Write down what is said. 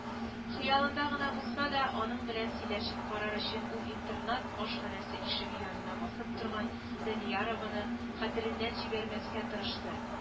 Хыялында гына булса да аның белән сөйләшеп карар өчен ул интернат ашханәсе ишеге янында басып торган Даниярованы хәтереннән җибәрмәскә тырышты